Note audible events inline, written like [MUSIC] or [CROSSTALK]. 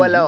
[HESITATION] [HESITATION]